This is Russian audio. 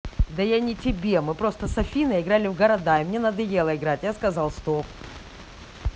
да я не тебе мы просто с афиной играли в города и мне надоело играть я сказал стоп